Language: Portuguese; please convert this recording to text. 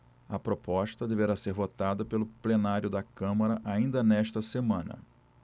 a proposta deverá ser votada pelo plenário da câmara ainda nesta semana